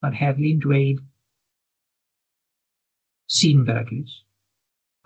mae'r heddlu'n dweud sy'n beryglus.